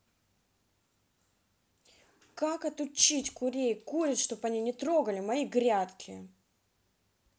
как отучить курей куриц чтобы они не трогали мои грядки